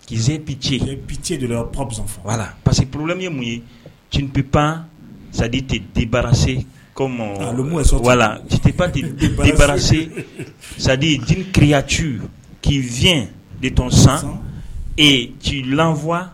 K'ize bi bi de la parceseke porolalen ye mun ye cp pan sadi tɛ dibarase tɛ panbarase sadi jiri kiyac k'ii de san ci fwa